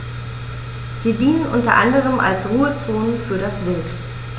Sie dienen unter anderem als Ruhezonen für das Wild.